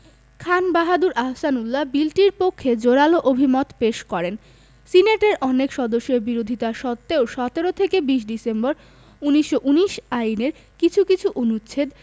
খান বাহাদুর আহসানউল্লাহ বিলটির পক্ষে জোরালো অভিমত পেশ করেন সিনেটের অনেক সদস্যের বিরোধিতা সত্ত্বেও ১৭ থেকে ২০ ডিসেম্বর ১৯১৯ আইনের কিছু কিছু অনুচ্ছেদ